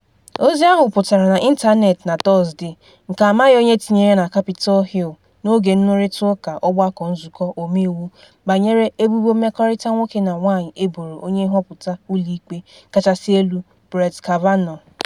Ozi ahụ pụtara n’ịntanetị na Tọsde, nke amaghị onye tinyere ya na Capitol Hill n’oge nnụrịta ụka ọgbakọ Nzụkọ Ọmeiwu banyere ebubo mmekọrịta nwoke na nwanyị eboro onye nhọpụta Ụlọ Ikpe Kachasị Elu Brett Kavanaugh.